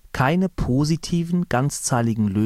keine positiven ganzzahligen